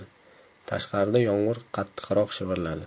tashqarida yomg'ir qattiqroq shivirladi